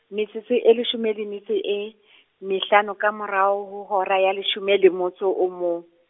metsotso e leshome le metso e , mehlano ka morao hao hora ya leshome le motso mong.